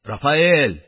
Рафаэль!